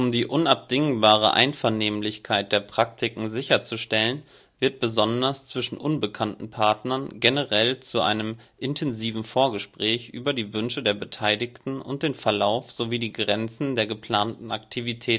die unabdingbare Einvernehmlichkeit (Konsensualität) der Praktiken sicherzustellen wird – besonders zwischen unbekannten Partnern – generell zu einem intensiven Vorgespräch über die Wünsche der Beteiligten und den Verlauf sowie die Grenzen der geplanten Aktivitäten